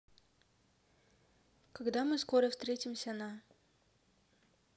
когда мы скоро встретимся на